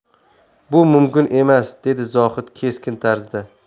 bu mumkin emas dedi zohid keskin tarzda